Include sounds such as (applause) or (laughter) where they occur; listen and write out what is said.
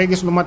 (hesitation) (hesitation)